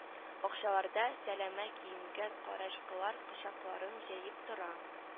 Бакчаларда сәләмә киенгән карачкылар кочакларын җәеп тора